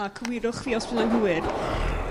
A cywirwch fi os dwi'n anghywir...